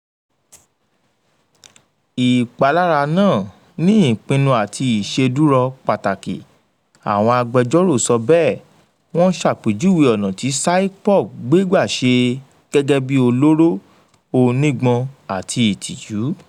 Ìpalára náà ni "ìpinnu àti ìṣedúrọ́ pàtàkì," Àwọn agbẹjọ́rò sọ bẹẹ̀, wọn ṣàpèjúwe ọ̀nà tí Saipov gbé gbà ṣe Gẹ́gẹ́bí "olóró, onígbọ̀n àti ìtìjú."